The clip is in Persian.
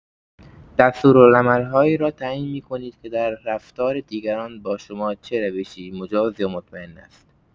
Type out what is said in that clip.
دستورالعمل‌هایی را تعیین می‌کنید که در رفتار دیگران با شما چه روشی مجاز یا مطمئن است.